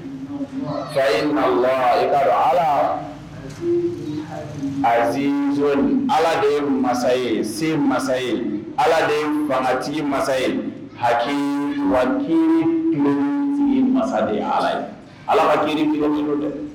Fa naa ala azz ala de masa se masa ye ala de banatigi masa ye hakilitigi masa ala ye ala ma dɛ